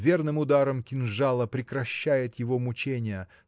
верным ударом кинжала прекращает его мучения